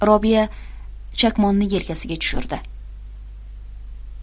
robiya chakmonni yelkasiga tushirdi